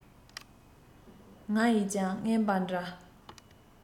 ང ཡིས ཀྱང རྔན པ འདྲ